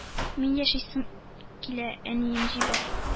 — мин яшисем килә, әнием, җибәр,